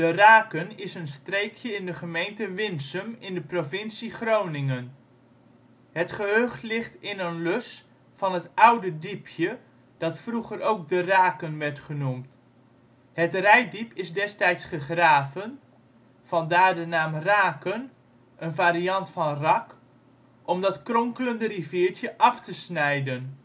Raken is een streekje in de gemeente Winsum in de provincie Groningen. Het gehucht ligt in een lus van het Oude Diepje dat vroeger ook De Raken werd genoemd. Het Reitdiep is destijds gegraven (van daar de naam Raken, een variant van Rak) om dat kronkelende riviertje af te snijden